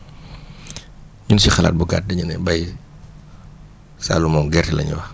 ñun suñ xalaat bu gàtt ñu ne béy Saloum moom gerte la ñu wax